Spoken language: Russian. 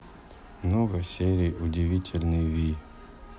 много серий удивительной ви